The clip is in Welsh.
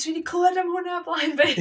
Dwi 'di clywed am hwnna o'r blaen 'fyd!